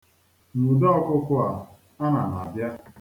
Nwụdo ọkụko a, ana m abịa!